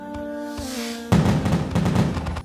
Sanunɛ